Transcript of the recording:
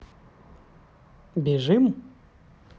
бежим